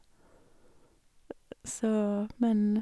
Så, men...